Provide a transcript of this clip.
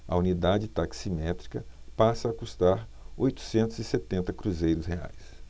a unidade taximétrica passa a custar oitocentos e setenta cruzeiros reais